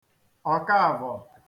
Ọ̀kaavọ̀